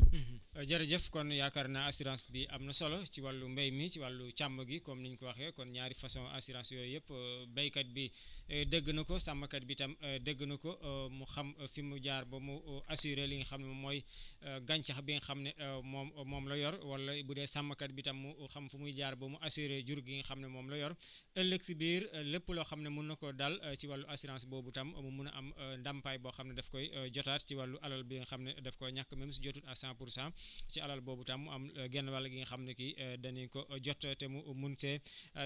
jërëjëf kon yaakaar naa assurance bi am na solo ci wàllu mbéy mi si wàllu càmm gi comme ni ñu ko waxee kon ñaari façon assurance yooyu yëpp béykat bi dégg na ko sàmmkat bi tam dégg na ko mu xam fi mu jaar ba mu assurer li nga xam moom mooy gàncax bi nga xam ne moom moom la yor wala bu dee sàmmkat bi tam mu xam fu muy jaar ba mu assurer jur gi nga xam ne moom la yor ëllëg si biir lépp loo xam ne mun na ko dal si wàllu assurance boobu tam mu mun a am ndàmpaay boo xam daf koy jotaay ci wàllu alal bi nga xam ne daf koo ñàkk même su jotul à 100 pour 100 si alal boobu tam mu am genn wàll gi nga xam ni ki dana ko jot te mu mun see